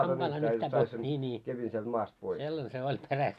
hampaillaan nyhtää pois niin niin sellainen se oli perästä